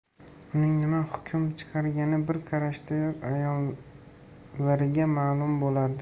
uning nima hukm chiqargani bir qarashidayoq a'yonlariga ma'lum bo'lardi